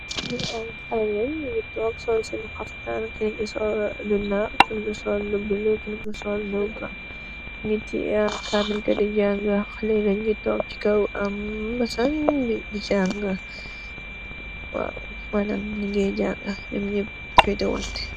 Nyi ay xale lene nyungi toog sol sen haftan kenen sol lu nov kenen ki so lu bulo kenen si sol lu bulo nyu tiyeh gaay neka di janga tog si kaw mbsan am nyu janaga manam nyugeh janga nyum nyeepa fete wanteh.